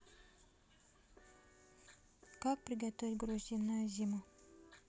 как приготовить грузди на зиму